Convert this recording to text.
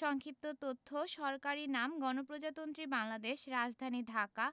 সংক্ষিপ্ত তথ্য সরকারি নামঃ গণপ্রজাতন্ত্রী বাংলাদেশ রাজধানীঃ ঢাকা